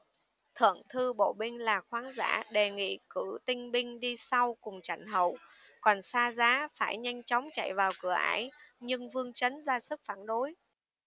thượng thư bộ binh là khoáng dã đề nghị cử tinh binh đi sau cùng chặn hậu còn xa giá phải nhanh chóng chạy vào cửa ải nhưng vương chấn ra sức phản đối